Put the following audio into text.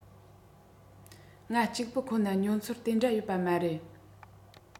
ང གཅིག པུ ཁོ ན མྱོང ཚོར དེ འདྲ ཡོད པ མ རེད